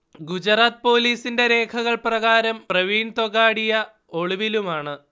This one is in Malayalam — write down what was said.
ഗുജറാത്ത് പൊലീസിന്റെ രേഖകൾപ്രകാരം പ്രവീൺ തൊഗാഡിയ ഒളിവിലുമാണ്